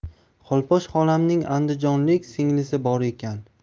xolposh xolamning andijonlik singlisi bor ekan